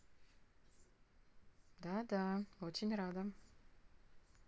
да да очень рада